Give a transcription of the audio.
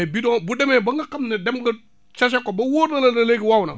mais bidon bu demee ba nga xam ne dem nga séché ko ba mu wóor na la ne léegi wow na